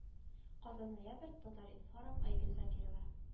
Казан ноябрь татар-информ айгөл закирова